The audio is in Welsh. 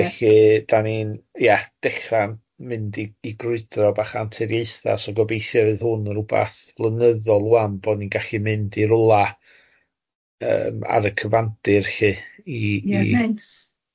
Felly dan ni'n ie, dechra mynd i i gwrydro bach anturiaetha, so gobeithio fydd hwn yn rywbeth flynyddol ŵan bod ni'n gallu mynd i rywla yym ar y cyfandir lly i i... Ie neis.